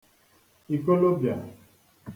ìkolobịà